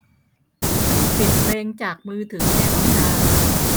ปิดเพลงจากมือถือในห้องน้ำ